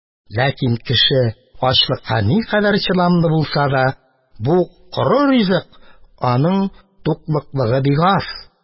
Ләкин, кеше ачлыкка никадәр чыдамлы булса да, бу — коры ризык, аның туклыклылыгы бик аз.